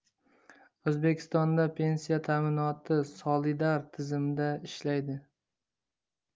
o'zbekistonda pensiya ta'minoti solidar tizimda ishlaydi